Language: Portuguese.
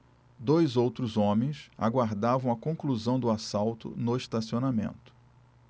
dois outros homens aguardavam a conclusão do assalto no estacionamento